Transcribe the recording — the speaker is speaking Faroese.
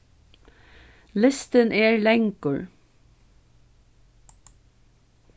listin er langur